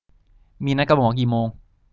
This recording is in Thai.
มีนัดกับหมอกี่โมง